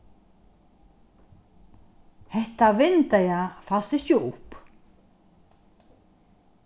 hetta vindeygað fæst ikki upp